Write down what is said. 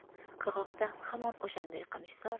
qirg'oqda hamon o'shanday qamishzor